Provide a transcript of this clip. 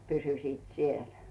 pysyisivät siellä